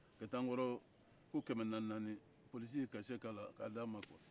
ka taa an kɔrɔ ko kɛmɛ naani-naanni polosi ye kase k'a la k'a d'an ma